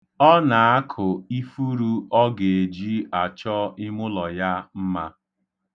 Ọ na-akụ ifuru ọ ga-eji achọ ime ụlọ ya mma.